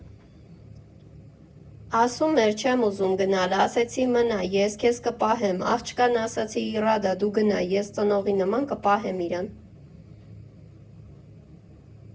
Ասում էր՝ չեմ ուզում գնալ, ասեցի՝ մնա, ես քեզ կպահեմ, աղջկան ասեցի՝ Իռադա՛, դու գնա, ես ծնողի նման կպահեմ իրան։